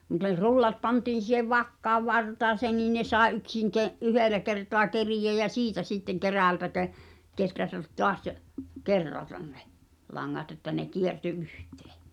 mutta jos rullat pantiin siihen vakkaan vartaaseen niin ne sai yksin - yhdellä kertaa keriä ja siitä sitten kerältä - kehrätä taas kerrata ne langat että ne kiertyi yhteen